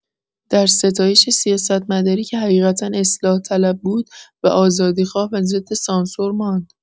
در ستایش سیاستمداری که حقیقتا اصلاح‌طلب بود و آزادیخواه و ضد سانسور ماند.